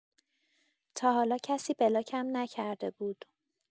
تا حالا کسی بلاکم نکرده بود